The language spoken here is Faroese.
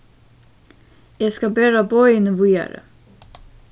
eg skal bera boðini víðari